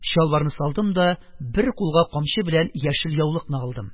Чалбарны салдым да бер кулга камчы белән яшел яулыкны алдым.